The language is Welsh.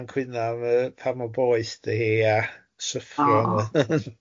A fi'na'n cwyno yy pan o boeth di a syfro. O!